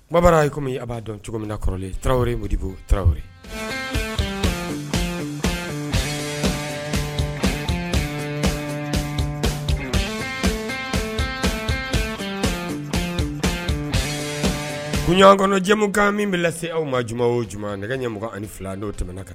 Komi b'a dɔn cogo min na kɔrɔ taraweleoɔri moribo tarawele ko ɲ kɔnɔ jamumukan min bɛ lase aw ma juma o juma nɛgɛ ɲɛmɔgɔ fila n'o tɛm kan